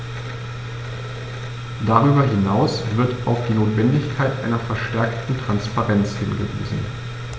Darüber hinaus wird auf die Notwendigkeit einer verstärkten Transparenz hingewiesen.